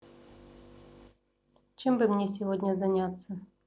чем бы мне сегодня заняться